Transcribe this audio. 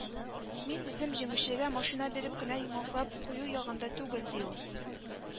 Мин үзем җиңүчегә машина биреп кенә йомгаклап кую ягында түгел, ди ул